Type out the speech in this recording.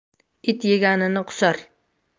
it yeganini qusar